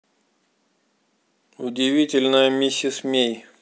удивительная миссис мей